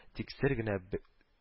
Тик сер генә бе